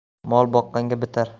mol boqqanga bitar